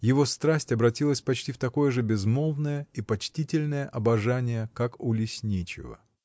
его страсть обратилась почти в такое же безмолвное и почтительное обожание, как у лесничего.